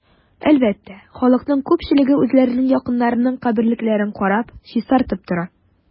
Әлбәттә, халыкның күпчелеге үзләренең якыннарының каберлекләрен карап, чистартып тора.